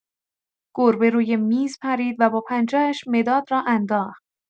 گربه روی میز پرید و با پنجه‌اش مداد را انداخت.